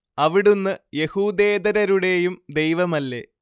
അവിടുന്ന് യഹൂദേതരുടേയും ദൈവമല്ലേ